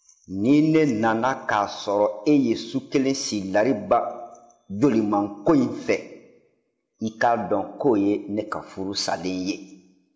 ni ne nana k'a sɔrɔ e ye su kelen si lariba jolimango in fɛ i k'a dɔn k'o ye ne ka furu salen ye